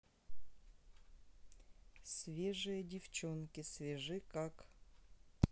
свежие девчонки свежи как